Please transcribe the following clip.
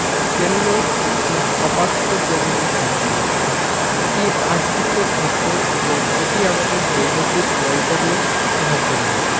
cellulose একটি অপাচ্য প্রকৃতির শর্করা এটি আঁশযুক্ত খাদ্য এবং এটি আমাদের দৈনন্দিন মল ত্যাগে সাহায্য করে